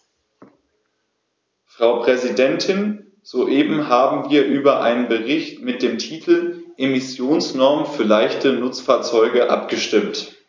Frau Präsidentin, soeben haben wir über einen Bericht mit dem Titel "Emissionsnormen für leichte Nutzfahrzeuge" abgestimmt.